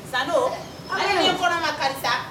Sadon ala nana fana ma karisa